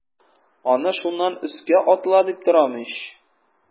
Аны шуннан өскә атыла дип торам ич.